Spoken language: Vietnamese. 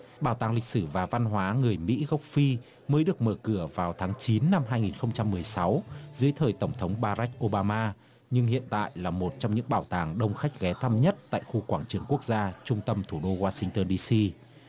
bảo tàng lịch sử và văn hóa người mỹ gốc phi mới được mở cửa vào tháng chín năm hai nghìn không trăm mười sáu dưới thời tổng thống ba rách ô ba ma nhưng hiện tại là một trong những bảo tàng đông khách ghé thăm nhất tại khu quảng trường quốc gia trung tâm thủ đô goa xinh tơn đi xi